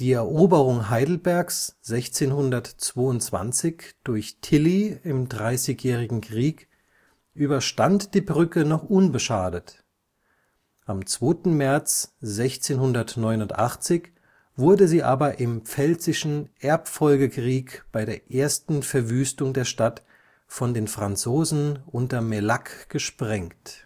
Eroberung Heidelbergs 1622 durch Tilly im Dreißigjährigen Krieg überstand die Brücke noch unbeschadet, am 2. März 1689 wurde sie aber im Pfälzischen Erbfolgekrieg bei der ersten Verwüstung der Stadt von den Franzosen unter Mélac gesprengt